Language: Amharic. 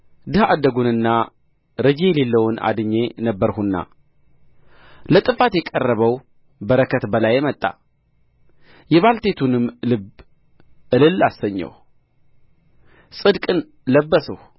ድሀ አደጉንና ረጂ የሌለውን አድኜ ነበርሁና ለጥፋት የቀረበው በረከት በላዬ መጣ የባልቴቲቱንም ልብ እልል አሰኘሁ ጽድቅን ለበስሁ